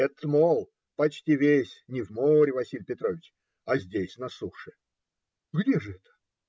- Этот мол почти весь не в море, Василий Петрович, а здесь, на суше. - Где же это?